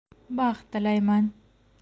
baxt tilayman